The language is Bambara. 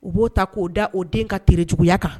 U b'o ta k'o da o den ka terejuguya kan